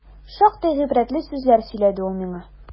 Шактый гыйбрәтле сүзләр сөйләде ул миңа.